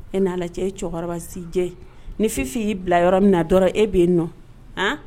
E n'a cɛ ye cɛkɔrɔba si jɛ ni fifin y'i bila yɔrɔ min na dɔrɔn e'i nɔ